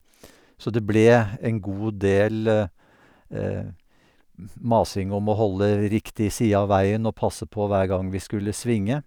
Så det ble en god del masing om å holde riktig side av veien og passe på hver gang vi skulle svinge.